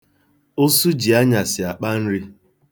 Ụsụ ji anyasị akpa nri.